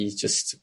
i jyst